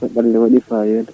toɓɓere nde waɗi fayida